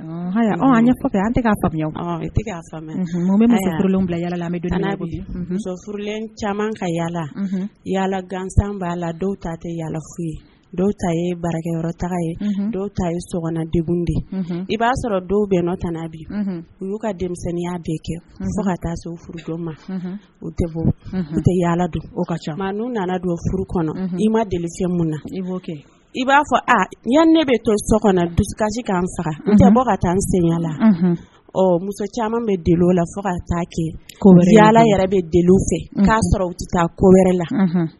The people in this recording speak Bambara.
Bilala muso furulen caman ka yaa yalala gansan b' la ta yaala ye dɔw ta bara ta i b'a sɔrɔ dɔw bɛ bi olu ka denmisɛnninya bɛɛ kɛ fo ka taa furu ma tɛ bɔ tɛ yaa nana don furu kɔnɔ n ma na i b'a fɔ yan ne bɛ to sokasi k faga ka taa an senya la muso caman bɛ o la fo kɛla yɛrɛ bɛ fɛ ko wɛrɛ la